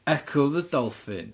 Echo the Dolphin.